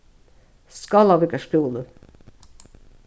skálavíkar skúli